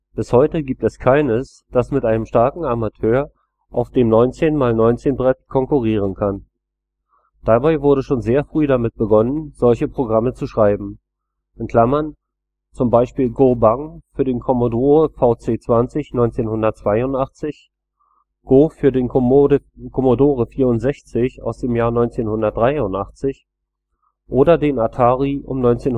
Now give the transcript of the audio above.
bis heute gibt es keines, das mit einem starken Amateur auf dem 19×19-Brett konkurrieren kann. Dabei wurde schon sehr früh damit begonnen, solche Programme zu schreiben (zum Beispiel Gobang für den Commodore VC20 1982, GO für den Commodore 64 1983 oder den Atari um 1987